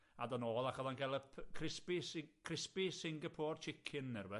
a do' nôl ac o'dd o'n cael y p- crispy si- crispy Singapore chicken ne' rwbeth.